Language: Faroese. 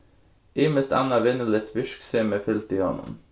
ymiskt annað vinnuligt virksemi fylgdi honum